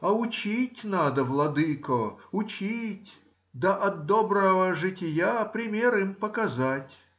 — А учить надо, владыко, учить, да от доброго жития пример им показать.